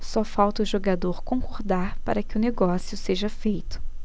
só falta o jogador concordar para que o negócio seja feito